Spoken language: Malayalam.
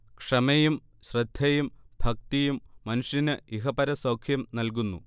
ക്ഷമയും ശ്രദ്ധയും ഭക്തിയും മനുഷ്യന് ഇഹപരസൗഖ്യം നൽകുന്നു